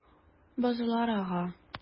Бозлар ага.